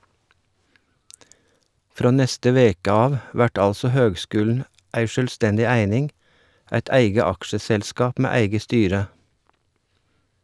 Frå neste veke av vert altså høgskulen ei sjølvstendig eining, eit eige aksjeselskap med eige styre.